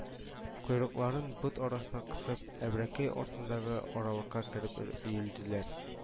Койрыкларын бот арасына кысып, әбрәкәй артындагы аралыкка кереп өелделәр